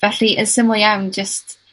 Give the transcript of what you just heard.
Felly yn syml iawn jyst